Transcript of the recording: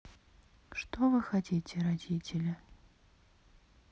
что вы хотите родители